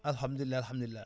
alhamdulilah alhamdulilah